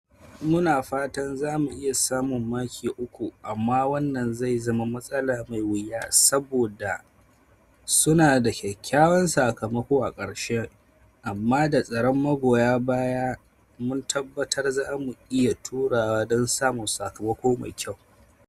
Mu na fatan, za mu iya samun maki uku amma wannan zai zama matsala mai wuya saboda su na da kyakkyawar sakamako a wasan karshe amma, da taron magoya bayan mu, na tabbata za mu iya turawa don samun sakamako mai kyau.